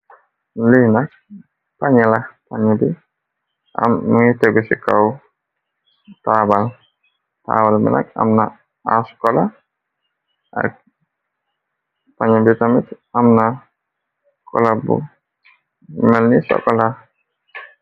Liinak pañilax tañ bi am muy tegu ci kaw taabal taabal minak amna askola ak pañ bi tamit amna kola bu melni sokola.